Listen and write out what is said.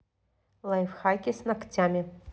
лайфхаки с ногтями